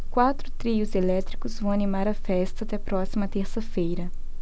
quatro trios elétricos vão animar a festa até a próxima terça-feira